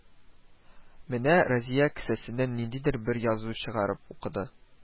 Менә Разия кесәсеннән ниндидер бер язу чыгарып укыды